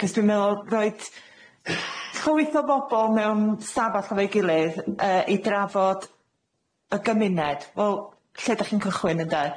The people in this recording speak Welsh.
Ac'os dwi'n me'wl roid llwyth o bobol mewn stafall efo'i gilydd yy i drafod y gymuned, wel lle 'dach chi'n cychwyn ynde?